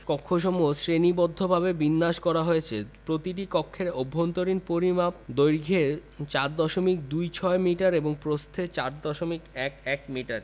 কক্ষসমূহ শ্রেণীবদ্ধভাবে বিন্যাস করা হয়েছে প্রতিটি কক্ষের অভ্যন্তরীণ পরিমাপ দৈর্ঘ্যে ৪ দশমিক দুই ছয় মিটার এবং প্রস্থে ৪ দশমিক এক এক মিটার